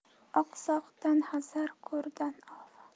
oqsoqdan hazar ko'rdan ofat